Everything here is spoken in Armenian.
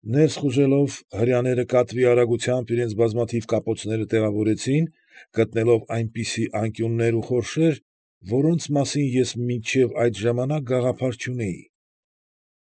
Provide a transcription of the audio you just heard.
Ներս խուժելով, հրեաները կատվի արագությամբ իրենց բազմաթիվ կապոցները տեղավորեցին, գտնելով այնպիսի անկյուններ ու խորշեր, որոնց մասին ես մինչև այդ ժամանակ գաղափար չունեի։